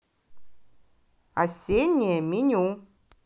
осеннее меню